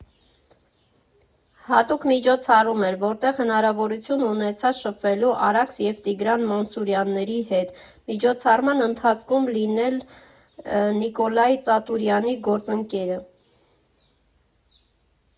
Հատուկ միջոցառում էր, որտեղ հնարավորություն ունեցա շփվելու Արաքս և Տիգրան Մանսուրյանների հետ, միջոցառման ընթացքում լինելու Նիկոլայ Ծատուրյանի «գործընկերը»։